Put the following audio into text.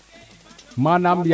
manaam